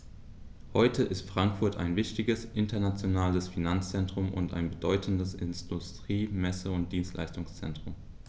Heute ist Frankfurt ein wichtiges, internationales Finanzzentrum und ein bedeutendes Industrie-, Messe- und Dienstleistungszentrum.